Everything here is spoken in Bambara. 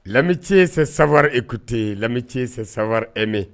Lamici se sabawa ekute lamiti saba eme